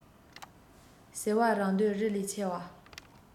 ཟེར བ རང འདོད རི ལས ཆེ བ